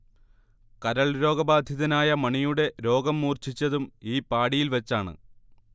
കരൾ രോഗബാധിതനായ മണിയുടെ രോഗം മൂർച്ഛിച്ചതും ഈ പാഡിയിൽ വച്ചാണ്